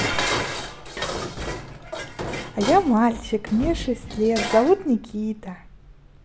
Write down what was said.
а я мальчик мне шесть лет зовут никита